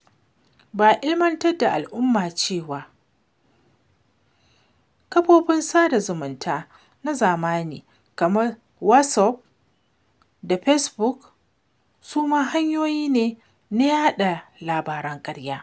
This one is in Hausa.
Ba a ilmantar da al'umma cewa; kafofin sada zumunta na zamani kamar Wasof da Fesbuk su ma hanyoyi ne na yaɗa labaran ƙarya.